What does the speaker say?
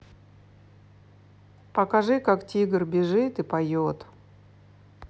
покажи как тигр бежит и поет